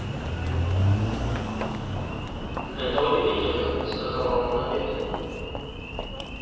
это удивительно ты сказала молодец